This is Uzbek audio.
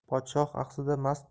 podshoh axsida mast